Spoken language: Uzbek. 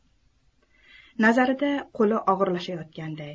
nazarida qo'li og'irlashayotganday